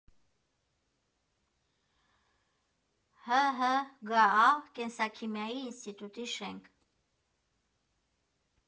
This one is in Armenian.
ՀՀ ԳԱԱ կենսաքիմիայի ինստիտուտի շենք։